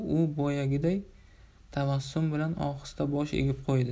u boyagiday tabassum bilan ohista bosh egib qo'ydi